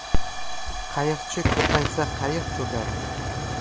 qayiqchi ko'paysa qayiq cho'kadi